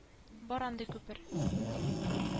Бар андый күпер